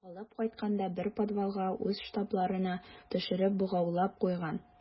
Алып кайткан да бер подвалга үз штабларына төшереп богаулап куйган.